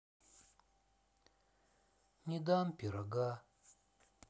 не дам пирога